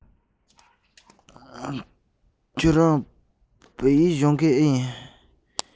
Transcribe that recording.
ཁྱེད རང བོད སྐད སྦྱོང མཁན ཡིན པས